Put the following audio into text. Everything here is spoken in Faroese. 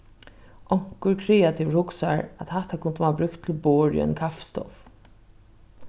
onkur kreativur hugsar at hatta kundi mann brúkt til borð í eini kaffistovu